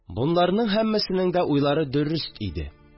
Боларның һәммәсенең дә уйлары дөрест иде